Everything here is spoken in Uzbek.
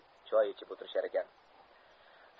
choy ichib o'tirisharkan